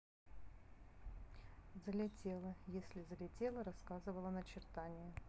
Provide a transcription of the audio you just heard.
залетела если залетела рассказывала начертание